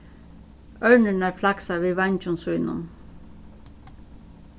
ørnirnar flagsa við veingjum sínum